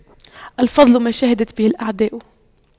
الفضل ما شهدت به الأعداء